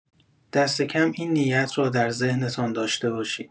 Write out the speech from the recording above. دست‌کم این نیت را در ذهنتان داشته باشید.